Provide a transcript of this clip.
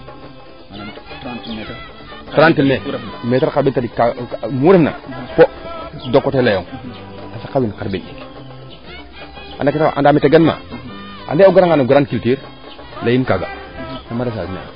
30 metre metre xarɓeen tadik kaaga nu ref na de coté leyong a saqa wiin xarɓeen ɗik anda me tegan ma ande o gara nga no grande culture leyiim kaaga maraissage ne'ang